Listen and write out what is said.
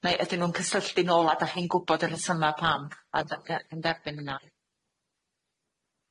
Neu ydyn nw'n cysylltu nôl a dach chi'n gwbod y rhesyma pam a d- ga- yn derbyn hunna?